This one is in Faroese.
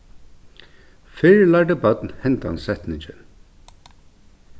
fyrr lærdu børn hendan setningin